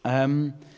Yym...